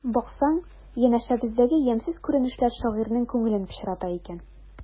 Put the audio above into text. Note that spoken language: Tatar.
Баксаң, янәшәбездәге ямьсез күренешләр шагыйрьнең күңелен пычрата икән.